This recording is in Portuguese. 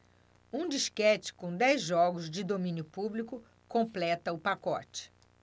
um disquete com dez jogos de domínio público completa o pacote